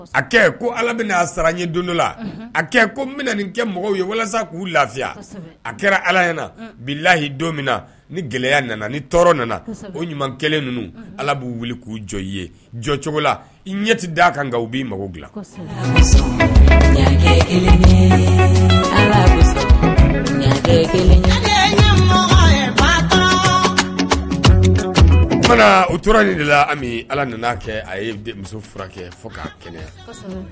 A ko ala bɛna a sara ɲɛ don la a kɛ ko minɛn ni kɛ mɔgɔw ye walasa k'u lafiya a kɛra alay na bi layi don min na ni gɛlɛyaya nana ni tɔɔrɔ nana o ɲuman kelen ninnu ala b'u wuli k'u jɔ ye jɔcogo la i ɲɛti d'a kan nka u b'i mɔgɔw bila o tora de la ala nana kɛ a ye muso furakɛ fo k'a kɛnɛya